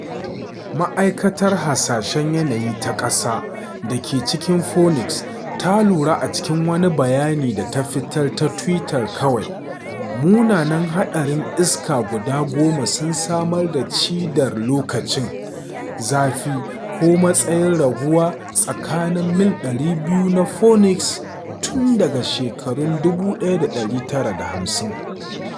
Ma’aikatar Hasashen Yanayi ta Ƙasa da ke cikin Phoenix ta lura a cikin wani bayani da ta fitar ta Twitter kawai “Munanan haɗarin iska guda goma sun samar da cidar lokacin zafi ko matsayin raguwa tsakanin mil 200 na Phoenix tun daga shekarun 1950!